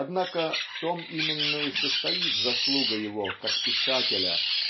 Однако в том именно и состоит заслуга его как писателя